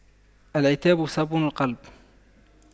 العتاب صابون القلب